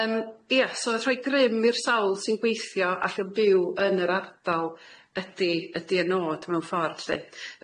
Yym ia so a rhoi grym i'r sawl sy'n gweithio ac yn byw yn yr ardal ydi ydi'r nod mewn ffordd lly.